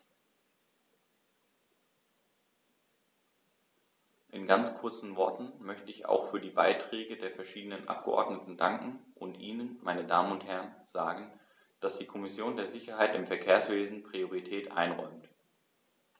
In ganz kurzen Worten möchte ich auch für die Beiträge der verschiedenen Abgeordneten danken und Ihnen, meine Damen und Herren, sagen, dass die Kommission der Sicherheit im Verkehrswesen Priorität einräumt.